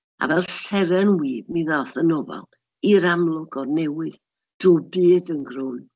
A fel seren wib mi ddaeth y nofel i'r amlwg o'r newydd, trwy'r byd yn grwn.